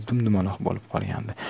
dum dum aloq bo'lib qolgandi